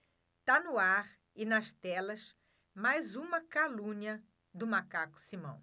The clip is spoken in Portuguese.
tá no ar e nas telas mais uma calúnia do macaco simão